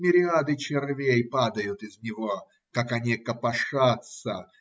Мириады червей падают из него. Как они копошатся!